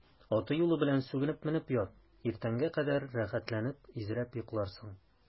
Аты-юлы белән сүгенеп менеп ят, иртәнгә кадәр рәхәтләнеп изрәп йокларсың.